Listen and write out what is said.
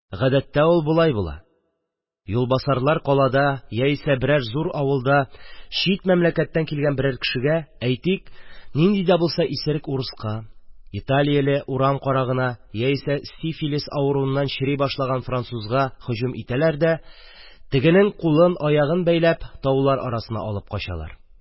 Гадәттә ул болай була: юлбасарлар калада яисә берәр зур авылда чит мәмләкәттән килгән берәр кешегә, әйтик, нинди дә булса исерек урыска, италияле урам карагына яисә сифилис авыруыннан чери башлаган французга һөҗүм итәләр дә, тегенең кулын-аягын бәйләп, таулар арасына алып качалар.